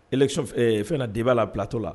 Election fɛn na debat la plateau la